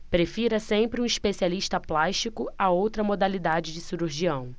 prefira sempre um especialista plástico a outra modalidade de cirurgião